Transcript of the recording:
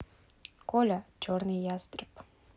коля черный ястреб